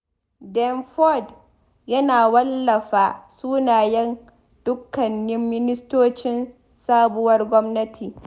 Denford yana wallafa sunayen dukkanin ministocin sabuwar gwamnati.